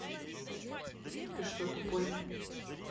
ты что тупой